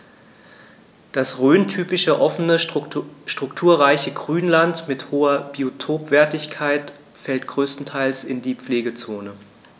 Das rhöntypische offene, strukturreiche Grünland mit hoher Biotopwertigkeit fällt größtenteils in die Pflegezone.